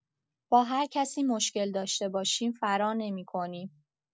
با هرکسی مشکل داشته باشیم فرار نمی‌کنیم!